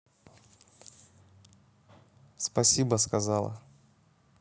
спасибо сказала